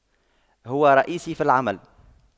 هو رئيسي في العمل